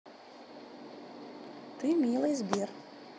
ты милый сбер